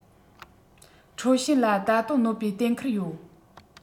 ཁྲའོ ཞན ལ ད དུང གནོད པའི གཏན འཁེལ ཡོད